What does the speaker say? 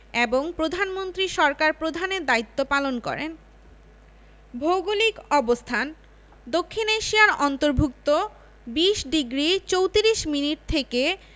এবং প্রধানমন্ত্রী সরকার প্রধানের দায়িত্ব পালন করেন ভৌগোলিক অবস্থানঃ দক্ষিণ এশিয়ার অন্তর্ভুক্ত ২০ডিগ্রি ৩৪ মিনিট থেকে